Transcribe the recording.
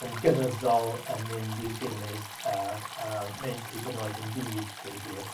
yn gynyddol yn mynd i'w gilydd yy a mynd hyd yn oed yn fud deud y gwir